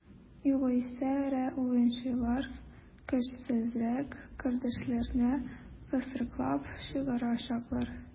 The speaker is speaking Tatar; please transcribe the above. Югыйсә эре уенчылар көчсезрәк көндәшләрне кысрыклап чыгарачаклар.